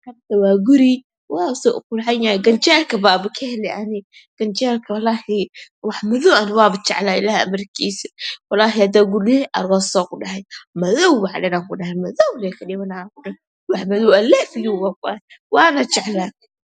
Waa guri waaw suu uqurxan yahy ganjeelka papa kahele ani ganjeelka walhi wax madow wapa jaclahe ilahey amrkiisa walahi hadii lii arasaa ku dhahay madow lee ka dhimanaa wax madow alaafyuu wana jeclhay